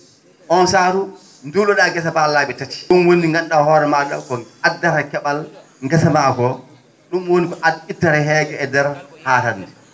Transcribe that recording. on saatu nduulo?aa ngesa mba laabi tati ?um woni nganndu?aa hoore ma?a addata ke?al ngesa mba ko ?um woni ko ad ittata heege heege e ndeer haarannde